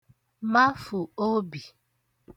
mafụ̀ obì